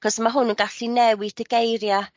'C'os ma' hwn yn gallu newid y geiria'